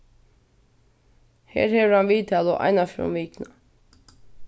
her hevur hann viðtalu eina ferð um vikuna